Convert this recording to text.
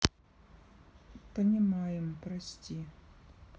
понимаем прости